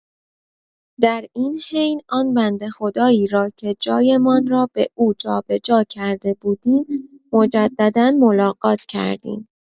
در این حین آن بنده خدایی را که جایمان را به او جابجا کرده بودیم مجددا ملاقات کردیم.